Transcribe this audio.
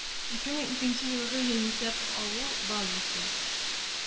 Ике мең икенче елгы җанисәп алу базасы